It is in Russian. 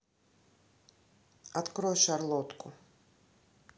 открой шарлотку